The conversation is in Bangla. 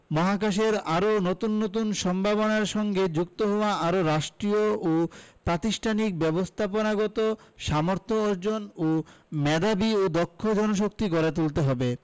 মহাকাশে আরও নতুন নতুন সম্ভাবনার সঙ্গে যুক্ত হওয়া আর রাষ্ট্রীয় ও প্রাতিষ্ঠানিক ব্যবস্থাপনাগত সামর্থ্য অর্জন এবং মেধাবী ও দক্ষ জনশক্তি গড়ে তুলতে হবে